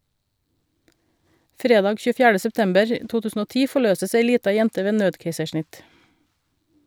Fredag 24. september 2010 forløses ei lita jente ved nødkeisersnitt.